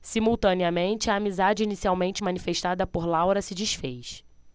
simultaneamente a amizade inicialmente manifestada por laura se disfez